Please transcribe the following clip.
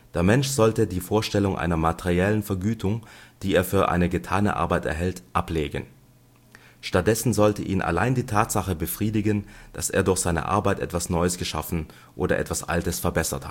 Der Mensch sollte die Vorstellung einer materiellen Vergütung, die er für eine getane Arbeit erhält, ablegen. Stattdessen sollte ihn allein die Tatsache befriedigen, dass er durch seine Arbeit etwas Neues geschaffen oder etwas Altes verbessert